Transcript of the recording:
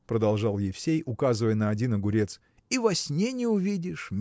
– продолжал Евсей, указывая на один огурец, – и во сне не увидишь!